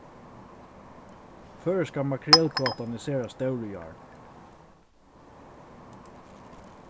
føroyska makrelkvotan er sera stór í ár